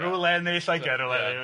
Rwle neu llai .